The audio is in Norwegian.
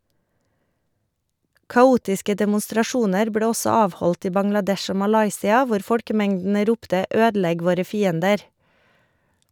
Kaotiske demonstrasjoner ble også avholdt i Bangladesh og Malaysia, hvor folkemengdene ropte «ødelegg våre fiender!»